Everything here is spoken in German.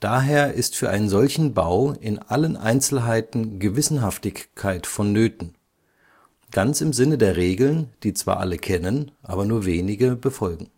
Daher ist für einen solchen Bau in allen Einzelheiten Gewissenhaftigkeit vonnöten – ganz im Sinne der Regeln, die zwar alle kennen, aber nur wenige befolgen